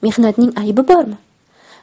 mehnatning aybi bormi